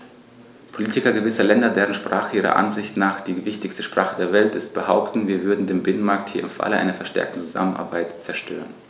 Politiker gewisser Länder, deren Sprache ihrer Ansicht nach die wichtigste Sprache der Welt ist, behaupten, wir würden den Binnenmarkt hier im Falle einer verstärkten Zusammenarbeit zerstören.